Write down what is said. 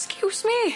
Excuse me.